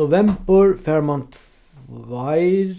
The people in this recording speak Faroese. novembur fær mann tveir